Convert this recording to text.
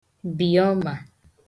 bì ọmà